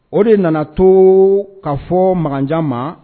O de nana to ka fɔ mankanjan ma